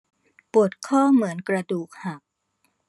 ปวดข้อเหมือนกระดูกหัก